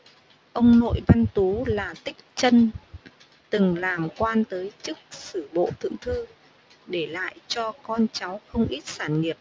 ông nội văn tú là tích chân từng làm quan tới chức sử bộ thượng thư để lại cho con cháu không ít sản nghiệp